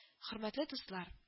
Хөрмәтле дуслар